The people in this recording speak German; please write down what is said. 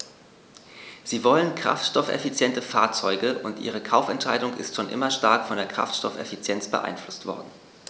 Sie wollen kraftstoffeffiziente Fahrzeuge, und ihre Kaufentscheidung ist schon immer stark von der Kraftstoffeffizienz beeinflusst worden.